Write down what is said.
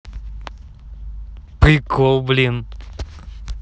прикол блин